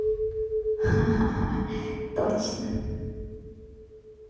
ха ха ха точно